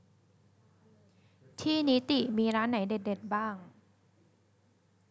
ที่นิติมีร้านไหนเด็ดเด็ดบ้าง